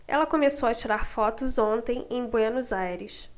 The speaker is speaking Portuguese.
ela começou a tirar fotos ontem em buenos aires